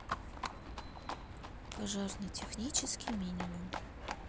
пожарно технический минимум